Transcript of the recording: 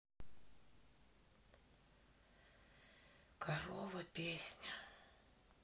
корова песня